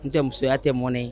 N tɛ musoya tɛ mɔnɛ ye